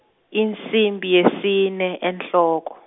insimbi yesine enhloko.